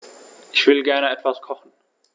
Ich will gerne etwas kochen.